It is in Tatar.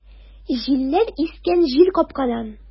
Җилләр искән җилкапкадан!